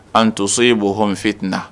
An to ye bɔɔm fit na